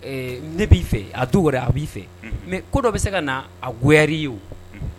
Ne b'i fɛ a du wɛrɛ a b'i fɛ mɛ ko dɔ bɛ se ka na a wɛrɛ ye